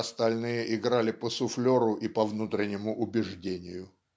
"остальные играли по суфлеру и по внутреннему убеждению".